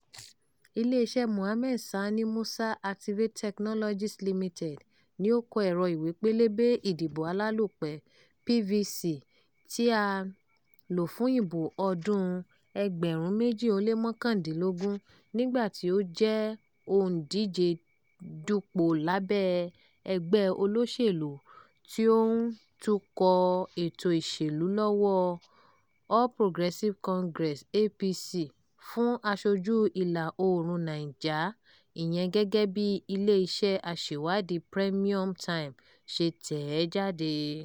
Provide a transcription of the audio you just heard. Ilé-iṣẹ́ẹ Mohammed Sani Musa, Activate Technologies Limited, ni ó kó ẹ̀rọ Ìwé-pélébé Ìdìbò Alálòpẹ́ (PVCs) tí a lò fún ìbò ọdún-un 2019, nígbà tí ó jẹ́ òǹdíjedupò lábẹ́ ẹgbẹ́ olóṣèlúu tí ó ń tukọ̀ ètò ìṣèlú lọ́wọ́ All Progressives Congress (APC) fún Aṣojú Ìlà-Oòrùn Niger, ìyẹn gẹ́gẹ́ bí ilé iṣẹ́ aṣèwádìí, Premium Times ṣe tẹ̀ ẹ́ jáde.